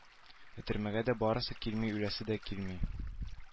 Өтөрмәгә дә барасы килми үләсе дә килми